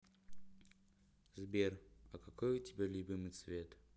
сбер а какой у тебя самый любимый цвет